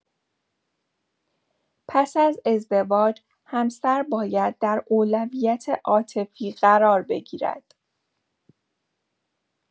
پس از ازدواج، همسر باید در اولویت عاطفی قرار بگیرد.